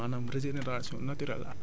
li ñu naan RNA